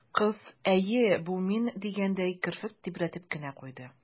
Кыз, «әйе, бу мин» дигәндәй, керфек тибрәтеп кенә куйды.